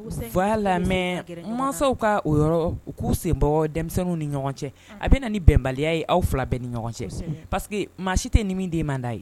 F'a lam mansaw ka o yɔrɔ u k'u sen bɔ denmisɛnninw ni ɲɔgɔn cɛ a bɛ na ni bɛnbaliya ye aw fila bɛɛ ni ɲɔgɔn cɛ paseke maa si tɛ ni min den man da ye